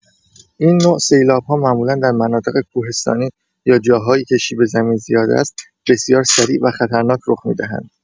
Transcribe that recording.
این نوع سیلاب‌ها معمولا در مناطق کوهستانی یا جاهایی که شیب زمین زیاد است، بسیار سریع و خطرناک رخ می‌دهند.